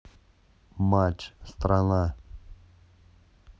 матч страна